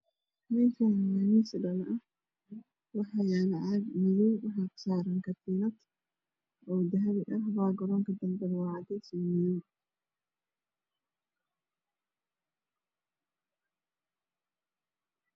Meshan waa miis dhalo ah waxayalo caag madow ah waxa saran katiinad oo dahbi ah bagatonka dabe waa cades io madow